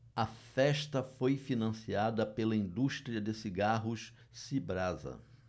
a festa foi financiada pela indústria de cigarros cibrasa